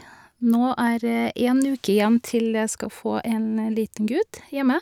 Nå er det én uke igjen til jeg skal få en liten gutt hjemme.